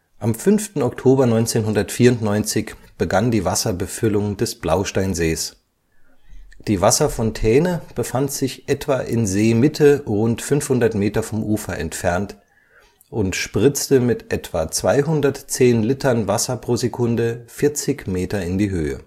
Am 5. Oktober 1994 begann die Wasserbefüllung des Blausteinsees. Die Wasserfontäne befand sich etwa in Seemitte rund 500 m vom Ufer entfernt und spritzte mit etwa 210 Litern Wasser pro Sekunde 40 m in die Höhe